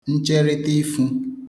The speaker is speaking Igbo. ncherita ifū